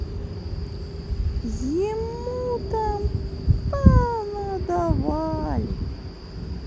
ему там понадавали